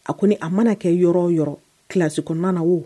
A ko a mana kɛ yɔrɔ yɔrɔ kilasi kɔnɔna na wo